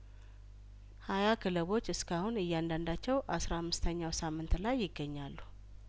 ሀያክለቦች እስካሁን እያንዳንዳቸው አስራ አምስተኛው ሳምንት ላይ ይገኛሉ